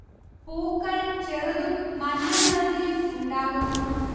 പൂക്കൾ ചെറുതും മഞ്ഞ നിറത്തിലും ഉണ്ടാകുന്നു